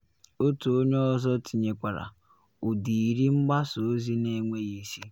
Otu onye ọzọ tinyekwara” “Ụdịrị mgbasa ozi na enweghị isi.”